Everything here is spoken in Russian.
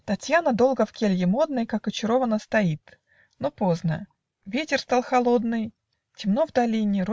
Татьяна долго в келье модной Как очарована стоит. Но поздно. Ветер встал холодный. Темно в долине.